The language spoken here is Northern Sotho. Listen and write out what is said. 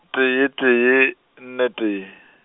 tee tee, nne, tee.